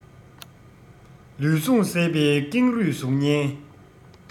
ལུས ཟུངས ཟད པའི ཀེང རུས གཟུགས བརྙན